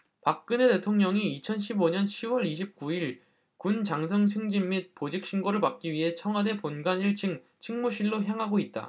박근혜 대통령이 이천 십 오 년 시 월 이십 구 일 군 장성 승진 및 보직신고를 받기 위해 청와대 본관 일 층 충무실로 향하고 있다